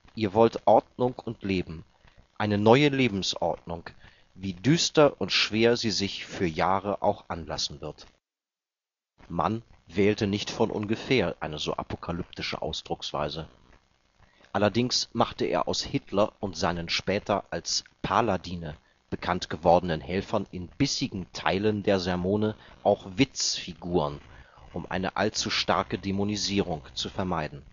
Ihr wollt Ordnung und Leben, eine neue Lebensordnung, wie düster und schwer sie sich für Jahre auch anlassen wird. “Mann wählte nicht von ungefähr eine so apokalyptische Ausdrucksweise. Allerdings machte er aus Hitler und seinen später als „ Paladine “bekannt gewordenen Helfern in bissigen Teilen der Sermone auch Witzfiguren, um eine allzu starke Dämonisierung zu vermeiden